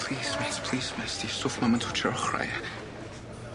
Plîs mêt, plîs mêt, sti stwff ma' 'im yn twtsio'r ochrau. ?